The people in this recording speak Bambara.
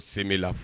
Sen la